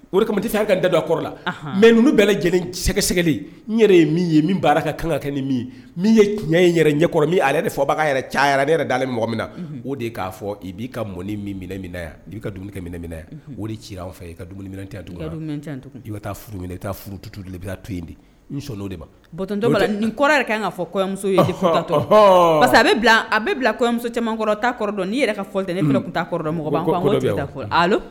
O kama tɛ ka dada kɔrɔ la mɛ n bɛɛ lajɛlen sɛgɛgɛ n yɛrɛ ye min ye min' ka kan ka kɛ ni min ye tiɲɛ in yɛrɛ ɲɛkɔrɔ min ale yɛrɛ de fɔ yɛrɛ caya ne yɛrɛ dalen mɔgɔ min na o de k'a fɔ i b'i ka mɔni min mina yan'i ka dumuni kɛ mina o de ci an fɛ i ka dumuni tɛ taa itu to in di ni kɔrɔ yɛrɛ ka fɔ kɔmusotɔ masa a kɔmuso cɛ kɔrɔ kɔrɔ dɔn n' ka fɔ ne kɔrɔ mɔgɔ